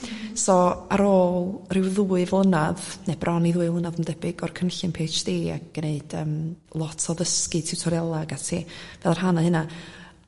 so ar ôl ryw ddwy flynadd ne' bron i ddwy flynadd yn debyg o'r cynllun pi heitch di ag gneud yym lot o ddysgu tiwtoriala ac ati fel rhan o hynna